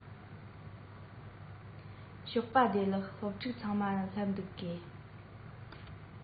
རླུང བུ ནི བསིལ བསིལ ལྡང ཞིང རྩྭ ནི འཇམ ནེམ ནེམ དུ གཡོ